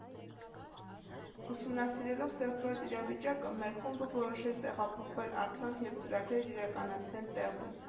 Ուսումնասիրելով ստեղծված իրավիճակը՝ մեր խումբը որոշեց տեղափոխվել Արցախ և ծրագրերն իրականացնել տեղում։